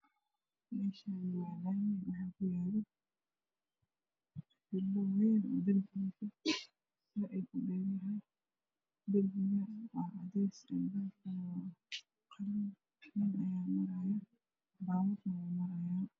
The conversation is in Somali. Meeshaani waa laami waxaa ku yaala darbi wayn cadaan darbiga waa cadays nin ayaa marayo baabuurna wuu marayo